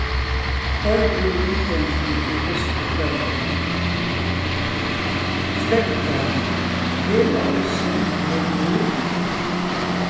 koyr úr rundkoyringini í fyrstu frákoyring steðga vel adressu vel bý